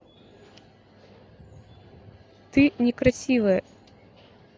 ты некрасивая